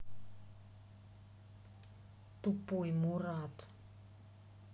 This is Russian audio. тупой мурат